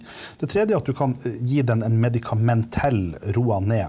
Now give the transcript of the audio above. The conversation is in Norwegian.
det tredje er at du kan gi den en medikamentell roa ned.